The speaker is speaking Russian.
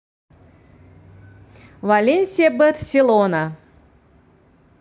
валенсия барселона